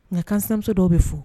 Nka kanmuso dɔw bɛ fo